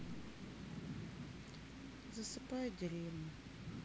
засыпает деревню